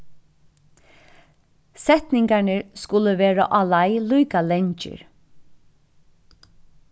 setningarnir skulu vera áleið líka langir